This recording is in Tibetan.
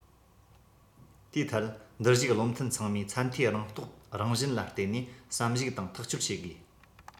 དེའི ཐད འདིར བཞུགས བློ མཐུན ཚང མས ཚད མཐོའི རང རྟོགས རང བཞིན ལ བརྟེན ནས བསམ གཞིགས དང ཐག གཅོད བྱེད དགོས